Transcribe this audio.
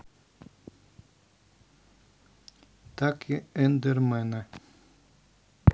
так ендермена